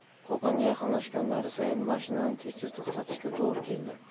qo'qonga yaqinlashganlari sayin mashinani tez tez to'xtatishga to'g'ri keldi